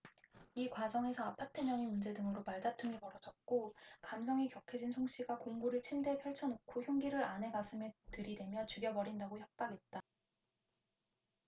이 과정에서 아파트 명의 문제 등으로 말다툼이 벌어졌고 감정이 격해진 송씨가 공구를 침대에 펼쳐놓고 흉기를 아내 가슴에 들이대며 죽여버린다고 협박했다